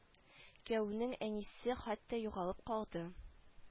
Кияүнең әнисе хәтта югалып калды